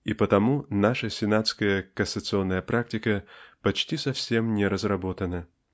и потому наша сенатская кассационная практика почти совсем не разработана.